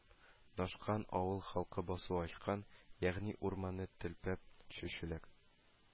Нашкан авыл халкы басу ачкан, ягъни урманны төпләп, чәчүлек